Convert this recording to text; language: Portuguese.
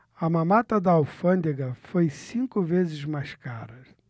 a mamata da alfândega foi cinco vezes mais cara